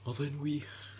Oedd e'n wych.